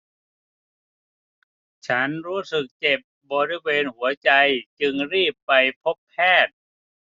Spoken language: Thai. ฉันรู้สึกเจ็บบริเวณหัวใจจึงรีบไปพบแพทย์